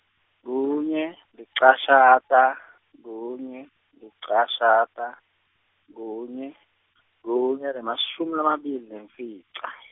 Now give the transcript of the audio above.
kunye, licashata, kunye, licashata, kunye , kunye, nemashumi lamabili nemfica.